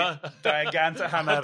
yy dau gant a hannar.